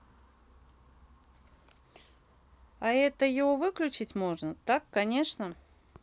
а это его выключать можно так конечно